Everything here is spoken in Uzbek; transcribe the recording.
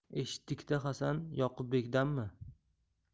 eshitdik da hasan yoqubbekdanmi